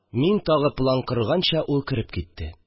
Мин тагы план корганча, ул кереп китте